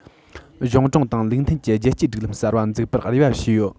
གཞུང དྲང དང ལུགས མཐུན གྱི རྒྱལ སྤྱིའི སྒྲིག ལམ གསར པ འཛུགས པར རེ བ བྱས ཡོད